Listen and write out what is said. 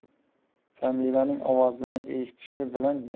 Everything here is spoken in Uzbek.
jamilaning ovozini eshitishi bilan